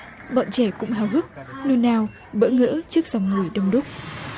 bọn trẻ cũng háo hức nôn nao bỡ ngỡ trước dòng người đông đúc